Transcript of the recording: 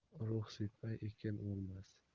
urug' sepmay ekin o'rmas